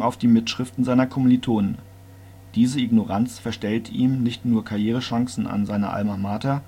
auf die Mitschriften seiner Kommilitonen. Diese Ignoranz verstellte ihm nicht nur Karrierechancen an seiner Alma Mater,